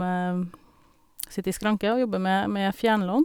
Sitter i skranke, og jobber med med fjernlån.